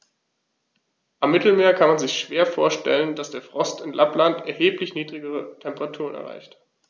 Am Mittelmeer kann man sich schwer vorstellen, dass der Frost in Lappland erheblich niedrigere Temperaturen erreicht.